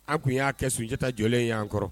An tun y'a kɛ Sunjata jɔlen y'an kɔrɔ